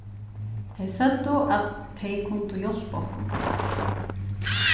tey søgdu at tey kundu hjálpa okkum